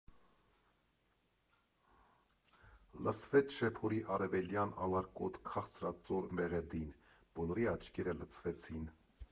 Լսվեց շեփորի արևելյան, ալարկոտ, քաղցրածոր մեղեդին, բոլորի աչքերը լցվեցին։